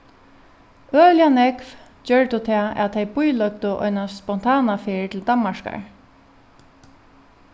øgiliga nógv gjørdu tað at tey bíløgdu eina spontana ferð til danmarkar